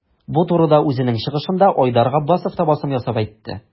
Бу турыда үзенең чыгышында Айдар Габбасов та басым ясап әйтте.